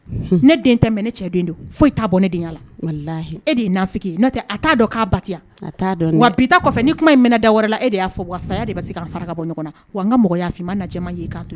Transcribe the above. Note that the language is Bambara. Ne ne e'a'a ba ni kuma da wɛrɛ la e de y'a fɔ wa de bɛ se bɔ ɲɔgɔn wa an ka mɔgɔ' f ii ma ma